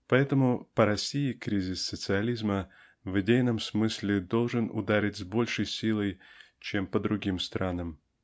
Поэтому по России кризис социализма в идейном смысле должен ударить с большей силой чем по другим странам.